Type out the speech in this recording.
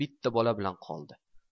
bitta bola bilan qoldi